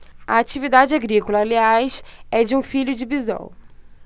a atividade agrícola aliás é de um filho de bisol